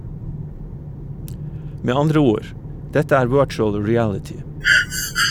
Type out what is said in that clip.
Med andre ord - dette er virtual reality.